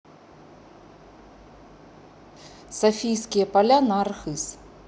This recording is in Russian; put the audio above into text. софийские поля на архыз